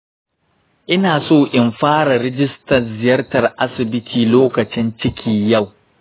ina so in fara rijistan ziyartar asibiti lokacin ciki yau